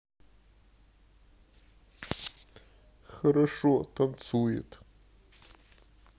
хорошо танцует